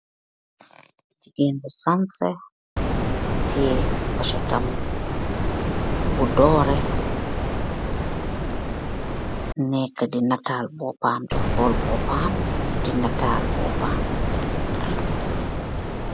Jigeen bu sahseh, tiyeh posset tam bu doreh, nhka di natal bopam de hol bopam de natal bopam.